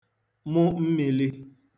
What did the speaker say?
mụ mmīlī